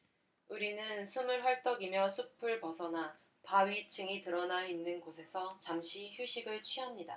우리는 숨을 헐떡이며 숲을 벗어나 바위층이 드러나 있는 곳에서 잠시 휴식을 취합니다